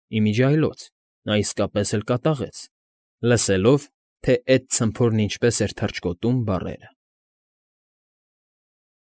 Ի միջի այլոց նա իսկապես էլ կատաղեց, լսելով «թե էդ ցմփորն ինչպես էր թռչկոտում» բառերը։